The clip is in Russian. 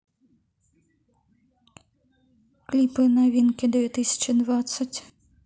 клипы новинки две тысячи двадцать